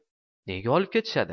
nega olib ketishadi